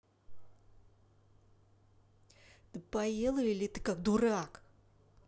ты поела или ты как дурак